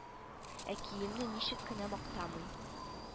Ә киемне ничек кенә мактамый